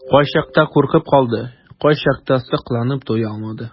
Кайчакта куркып калды, кайчакта сокланып туя алмады.